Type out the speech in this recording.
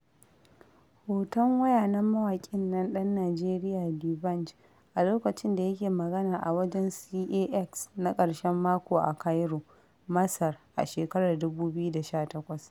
Hoton waya na mawaƙin nan ɗan Nijeriya D'banj a lokacin da yake magana a wajen CAX na ƙarshen mako a Cairo, Masar a shekarar 2018.